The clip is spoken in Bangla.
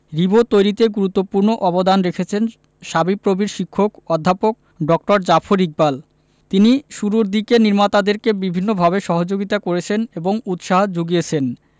রিবো তৈরিতে গুরুত্বপূর্ণ অবদান রেখেছেন শাবিপ্রবির শিক্ষক অধ্যাপক ড জাফর ইকবাল তিনি শুরুর দিকে নির্মাতাদেরকে বিভিন্নভাবে সহযোগিতা করেছেন এবং উৎসাহ যুগিয়েছেন